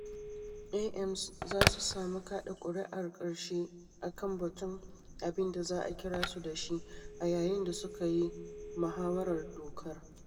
AMs za su sami kaɗa kuri’ar karshe a kan batun abin da za a kira su da shi a yayin da suka yi mahawarar dokar.